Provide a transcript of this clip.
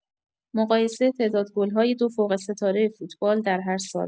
مقایسه تعداد گل‌های دو فوق ستاره فوتبال در هر سال